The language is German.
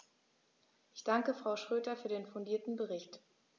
Ich danke Frau Schroedter für den fundierten Bericht.